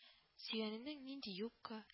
Сөйгәненең нинди юбка